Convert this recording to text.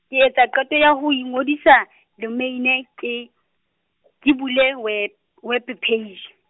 ke etsa qeto ya ho ngodisa domeine, ke , ke bule web , web page.